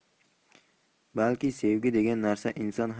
balki sevgi degan narsa inson